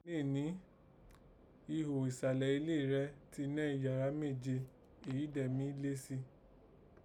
Nèní, ighò ìsàlẹ̀ ilé rẹ̀ ti nẹ́ yàrá méje èyí dẹ̀ mí lé sí